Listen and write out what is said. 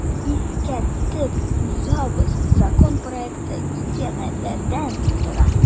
Искәртеп узабыз, закон проекты ике маддәдән тора.